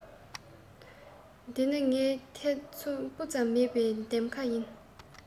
འདི ནི ངའི ཐེ ཚོ སྤུ ཙམ མེད པའི འདེམས ཁ ཡིན